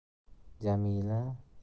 jamila ish bilan